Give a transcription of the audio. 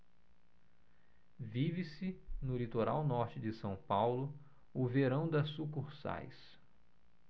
vive-se no litoral norte de são paulo o verão das sucursais